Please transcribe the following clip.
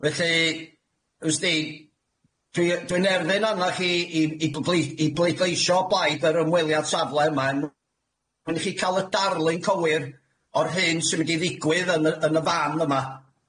Felly w's di, dwi yy dwi'n erfyn arnoch chi i i i blei- i bleidleisio o blaid yr ymweliad safle yma er mw- mwyn i chi ca'l y darlun cywir o'r hyn sy'n mynd i ddigwydd yn y yn y fan yma.